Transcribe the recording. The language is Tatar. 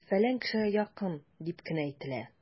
"фәлән кешегә якын" дип кенә әйтелә!